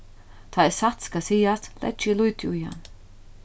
tá ið satt skal sigast leggi eg lítið í hann